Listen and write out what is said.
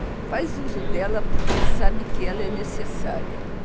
faz uso dela porque sabe que ela é necessária